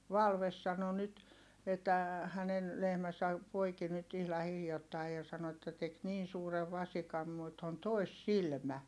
Valve sanoi nyt että hänen lehmänsä poiki nyt ihan hiljattain ja sanoi että teki niin suuren vasikan mutta on toissilmä